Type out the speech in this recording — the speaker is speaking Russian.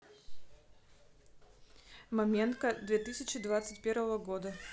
моменко две тысячи двадцать первого года